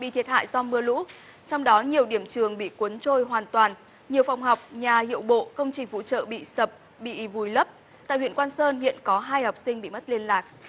bị thiệt hại do mưa lũ trong đó nhiều điểm trường bị cuốn trôi hoàn toàn nhiều phòng học nhà hiệu bộ công trình phụ trợ bị sập bị vùi lấp tại huyện quan sơn hiện có hai học sinh bị mất liên lạc